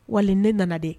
Wa ne nana dɛ